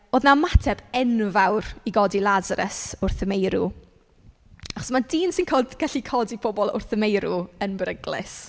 Oedd 'na ymateb enfawr i godi Lasarus wrth y meirw achos mae dyn sy'n cod- gallu codi pobl wrth y meirw yn beryglus.